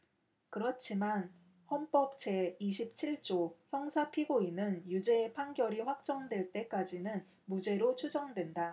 그렇지만 헌법 제 이십 칠 조 형사피고인은 유죄의 판결이 확정될 때까지는 무죄로 추정된다